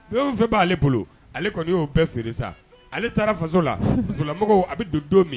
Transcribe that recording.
P fɛ b'aale bolo ale kɔni y'o bɛɛ feere sa ale taara faso la solamɔgɔw a bɛ don don min